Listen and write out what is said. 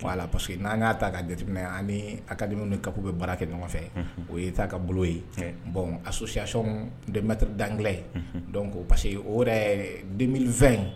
Voila , Parce que n'an y'a ta k'a jate minɛ, ani Accademies ni CAPs bɛ baara kɛ bɛ baara kɛ ɲɔgɔn fɛ o ye Etat ka bolo ye, bon association des maîtres d'anglais un parce quehun, donc o yɛrɛ2020